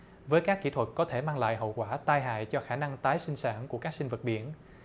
với các kỹ thuật có thể mang lại hậu quả tai hại cho khả năng tái sinh sản của các sinh vật biển